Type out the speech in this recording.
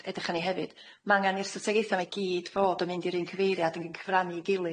Edrych arni hefyd, ma' angan i'r strategaethe ma' i gyd fod yn mynd i'r un cyfeiriad, ac yn cyfrannu i gilydd.